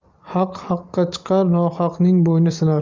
haq haqqa chiqar nohaqning bo'yni sinar